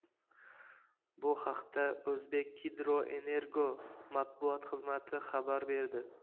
bu haqda o'zbekgidroenergo matbuot xizmati xabar berdi